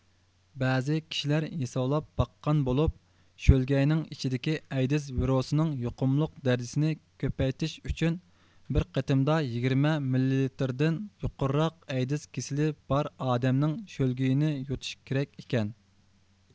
بەزى كىشىلەر ھېسابلاپ باققان بولۇپ شۆلگەينىڭ ئىچىدىكى ئەيدىز ۋىرۇسىنىڭ يۇقۇملۇق دەرىجىسنى كۆپەيتىش ئۈچۈن بىر قېتىمدا يىگىرمە مىللىلىتىردىن يۇقىرىراق ئەيدىز كېسىلى بار ئادەمنىڭ شۆلگىيىنى يۇتۇش كېرەك ئىكەن